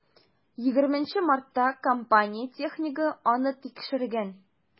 20 мартта компания технигы аны тикшергән.